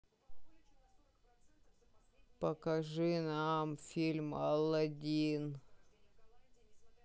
покажи нам фильм аладдин